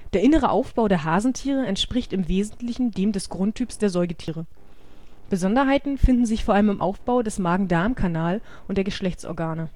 innere Aufbau der Hasentiere entspricht im wesentlichen dem des Grundtyps der Säugetiere. Besonderheiten finden sich vor allem im Aufbau des Magen-Darm-Kanal und der Geschlechtsorgane